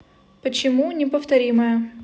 почему неповторимая